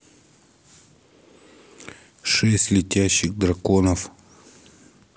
шесть летящих драконов